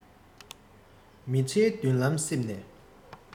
མི ཚེའི མདུན ལམ གསེབ ནས